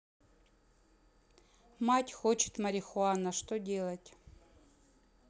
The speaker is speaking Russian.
мать хочет марихуана что делать